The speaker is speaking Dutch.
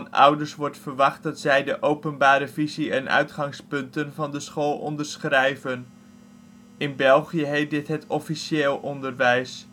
ouders wordt verwacht dat zij de openbare visie en uitgangspunten van de school onderschrijven. In België heet dit het officieel onderwijs